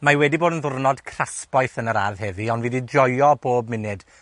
Mae wedi bod yn ddiwrnod crasboeth yn yr ardd heddi, ond fi 'di joio bob munud.